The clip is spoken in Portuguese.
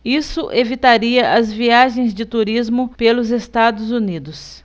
isso evitaria as viagens de turismo pelos estados unidos